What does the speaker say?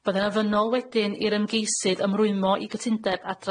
Bydda'n ofynnol wedyn i'r ymgeisydd ymrwymo i gytundeb